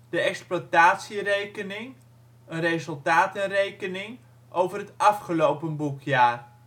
De exploitatierekening (resultatenrekening) over het afgelopen boekjaar